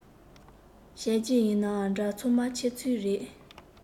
བྱས རྗེས ཡིན ནའང འདྲ ཚང མ ཁྱེད ཚོའི རེད